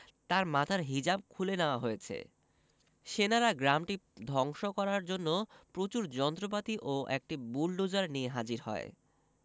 তার মাথার হিজাব খুলে নেওয়া হয়েছে সেনারা গ্রামটি ধ্বংস করার জন্য প্রচুর যন্ত্রপাতি ও একটি বুলডোজার নিয়ে হাজির হয়